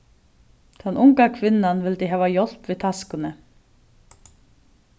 tann unga kvinnan vildi hava hjálp við taskuni